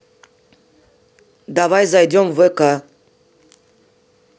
давай зайдем в к